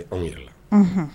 Anw yɛrɛ la